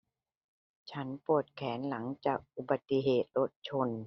ฉันปวดแขนหลังจากอุบัติเหตุรถชน